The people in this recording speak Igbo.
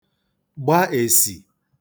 gba èsì